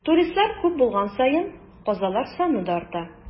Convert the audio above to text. Туристлар күп булган саен, казалар саны да арта.